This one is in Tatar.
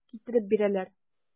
Китереп бирәләр.